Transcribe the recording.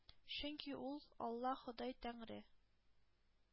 .. чөнки ул — алла, ходай, тәңре!